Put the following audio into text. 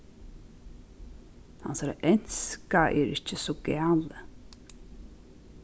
hansara enska er ikki so galið